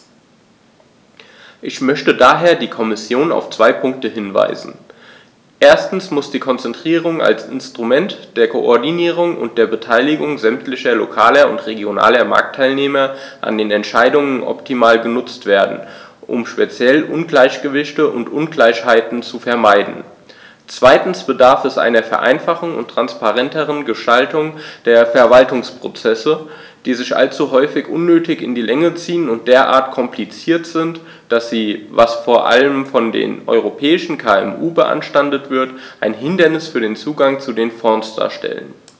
Ich möchte daher die Kommission auf zwei Punkte hinweisen: Erstens muss die Konzertierung als Instrument der Koordinierung und der Beteiligung sämtlicher lokaler und regionaler Marktteilnehmer an den Entscheidungen optimal genutzt werden, um speziell Ungleichgewichte und Ungleichheiten zu vermeiden; zweitens bedarf es einer Vereinfachung und transparenteren Gestaltung der Verwaltungsprozesse, die sich allzu häufig unnötig in die Länge ziehen und derart kompliziert sind, dass sie, was vor allem von den europäischen KMU beanstandet wird, ein Hindernis für den Zugang zu den Fonds darstellen.